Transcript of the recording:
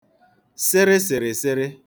sịrịsị̀rị̀sịrị